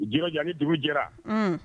U jija dugu jɛra